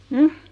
mm